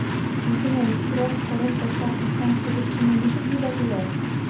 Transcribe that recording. Үзең әйт, көрәш кырын ташлап киткән сугышчыны ничек дип атыйлар?